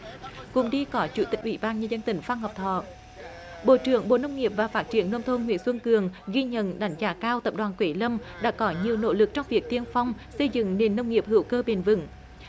cùng đi có chủ tịch ủy ban nhân dân tỉnh phan ngọc thọ bộ trưởng bộ nông nghiệp và phát triển nông thôn nguyễn xuân cường ghi nhận đánh giá cao tập đoàn quế lâm đã có nhiều nội lực trong việc tiên phong xây dựng nền nông nghiệp hữu cơ bền vững